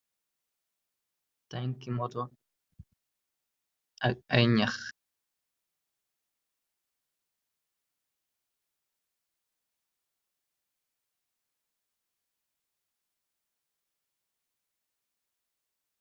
Tanki moto ak ay ñax.